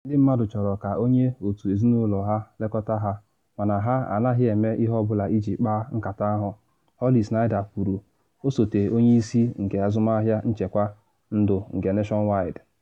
“Ndị mmadụ chọrọ ka onye otu ezinụlọ ha lekọta ha, mana ha anaghị eme ihe ọ bụla iji kpaa nkata ahụ,” Holly Snyder kwuru, osote onye isi nke azụmahịa nchekwa ndụ nke Nationwide.